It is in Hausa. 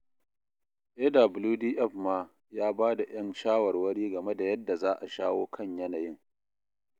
AWDF ma ya ba da 'yan shawarwari game da yadda za a shawo kan yanayin.